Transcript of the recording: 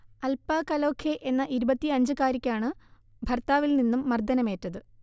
അൽപ കലോഖെ എന്ന ഇരുപത്തി അഞ്ചു കാരിക്കാണ് ഭർത്താവിൽ നിന്നും മർദ്ദനമേറ്റത്